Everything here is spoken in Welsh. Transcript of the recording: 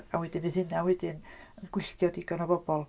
A wedyn fydd hynna wedyn yn gwylltio digon o bobl.